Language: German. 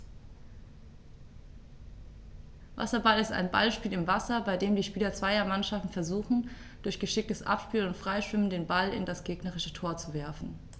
Wasserball ist ein Ballspiel im Wasser, bei dem die Spieler zweier Mannschaften versuchen, durch geschicktes Abspielen und Freischwimmen den Ball in das gegnerische Tor zu werfen.